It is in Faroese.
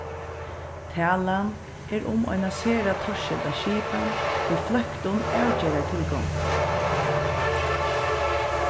talan er um eina sera torskilda skipan við fløktum avgerðartilgongdum